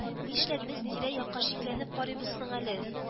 Нишләп без тирә-якка шикләнеп карыйбыз соң әле